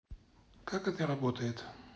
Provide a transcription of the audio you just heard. как это работает